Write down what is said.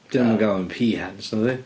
Dyn nhw'm yn galw nhw'n peahens nadi?